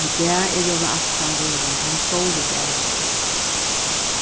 í dag er jólaaftan vorðin tann stóri dagurin